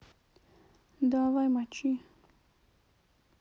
давай мочи